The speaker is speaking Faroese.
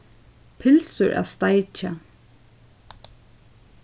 pylsur at steikja